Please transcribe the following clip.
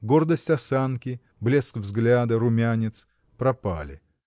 гордость осанки, блеск взгляда, румянец — пропали.